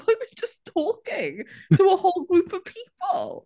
I was just talking to a whole group of people.